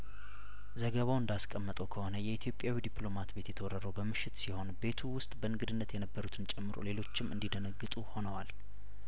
ዘገባው እንዳስ ቀመጠው ከሆነ የኢትዮጵያ ዊው ዲፕሎማት ቤት የተወረረው በምሽት ሲሆን ቤቱ ውስጥ በእንግድነት የነበሩትን ጨምሮ ሌሎችም እንዲ ደነግጡ ሆነዋል